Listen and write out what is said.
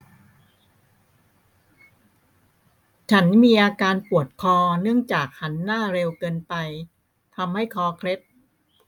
ฉันมีอาการปวดคอเนื่องจากหันหน้าเร็วเกินไปทำให้คอเคล็ด